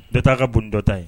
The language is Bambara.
Dɔ taa a ka bon dɔ ta ye